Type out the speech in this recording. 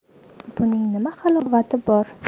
buning nima halovati bor